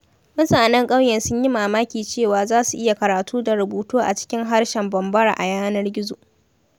Mutanen ƙauyen sun yi mamakin cewa za su iya karatu da rubutu a cikin harshen Bambara a yanar gizo!